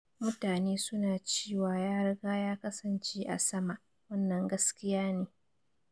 "Mutane su na cewa ya riga ya kasance a sama, wannan gaskiya ne.